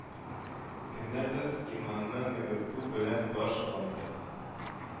Көнебез иманны ныгыту белән баш ланды